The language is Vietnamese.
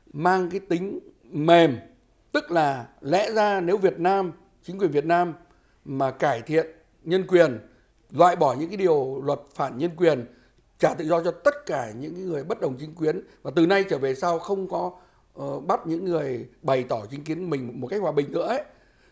mang tính mềm tức là lẽ ra nếu việt nam chính quyền việt nam mà cải thiện nhân quyền loại bỏ những điều luật phạm nhân quyền trả tự do cho tất cả những người bất đồng chính kiến và từ nay trở về sau không có ờ bắt những người bày tỏ chính kiến của mình một cách hòa bình nữa ấy